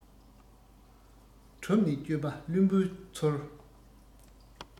གྲུབ ནས དཔྱོད པ བླུན པོའི ཚུལ